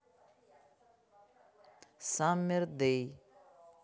саммер дэй